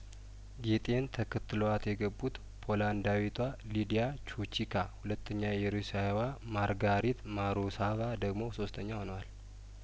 ጌጤን ተከትለዋት የገቡት ፖላንዳዊቷ ሊዲያቹ ቺካ ሁለተኛ የሩሲያዋ ማርጋሪት ማሩሳቫ ደግሞ ሶስተኛ ሆነዋል